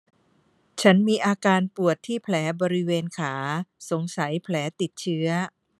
ฉันมีอาการปวดที่แผลบริเวณขาสงสัยแผลติดเชื้อ